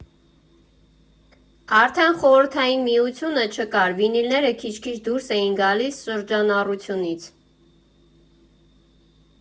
Արդեն Խորհրդային Միությունը չկար, վինիլները քիչ֊քիչ դուրս էին գալիս շրջանառությունից։